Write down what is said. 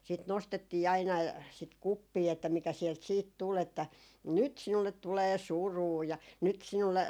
sitten nostettiin aina sitä kuppia että mikä sieltä sitten tuli että nyt sinulle tulee surua ja nyt sinulle